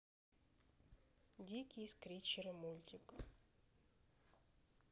дикие скричеры мультик